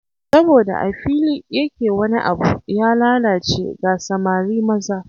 Saboda a fili yake wani abu ya lalace ga samari maza.'